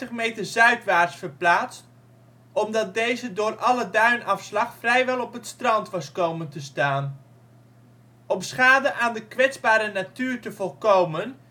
zuidwaarts verplaatst omdat deze door alle duinafslag vrijwel op het strand was komen te staan. Om schade aan de kwetsbare natuur te voorkomen